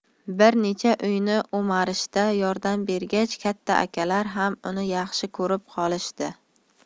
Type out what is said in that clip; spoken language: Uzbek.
bir necha uyni o'marishda yordam bergach katta akalar ham uni yaxshi ko'rib qolishdi